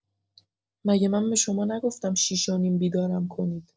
مگه من به شما نگفتم شیش و نیم بیدارم کنید؟